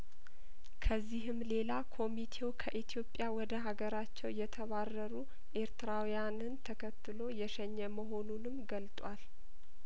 ከዚህም ሌላ ኮሚቴው ከኢትዮጵያ ወደ ሀገራቸው የተባረሩ ኤርትራዊያንን ተከትሎ የሸኘ መሆኑንም ገልጧል